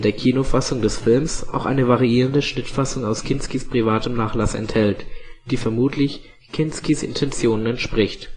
Kinofassung des Films auch eine variierende Schnittfassung aus Kinskis privatem Nachlass enthält, die vermutlich Kinskis Intentionen entspricht